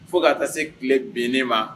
Fo ka taa se tile bInnen ma